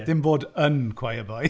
Dim bod yn choir boy.